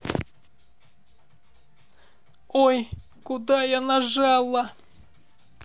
ой куда я нажала